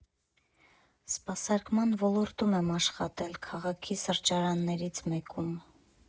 Սպասարկման ոլորտում եմ աշխատել՝ քաղաքի սրճարաններից մեկում։